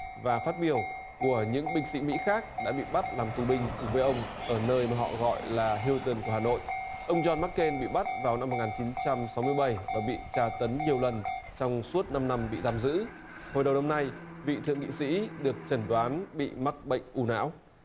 và phát biểu của những binh sĩ mỹ khác đã bị bắt làm tù binh cùng với ông ở nơi mà họ gọi là hiu từn của hà nội ông don mắc kên bị bắt vào năm một ngàn chín trăm sáu mươi bảy và bị tra tấn nhiều lần trong suốt năm năm bị giam giữ hồi đầu năm nay vị thượng nghị sĩ được chẩn đoán bị mắc bệnh u não